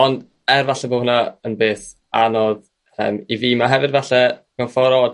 ond er falle bod hwnna yn beth anodd yym i fi ma' hefyd falle mewn ffor' od